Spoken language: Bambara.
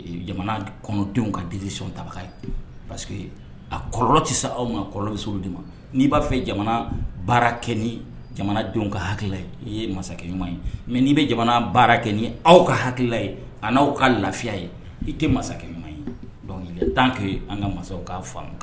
Jamana kɔnɔdenw ka deli sɔn tabaga ye parce a kɔrɔ tɛ sa aw ma kɔrɔ bɛ se olu de ma n'i b'a fɛ jamana baara kɛ ni jamanadenw ka ha ye i ye masakɛ ɲuman ye mɛ n'i bɛ jamana baara kɛ ni aw ka hakilikila ye a n'aw ka lafiya ye i tɛ masakɛ ɲuman ye tan kɛ an ka mansaw ka faamu